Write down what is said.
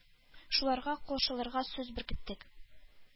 Шуларга кушылырга сүз беркеттек,